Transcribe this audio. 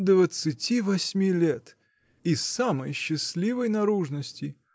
-- Двадцати восьми лет -- и самой счастливой наружности.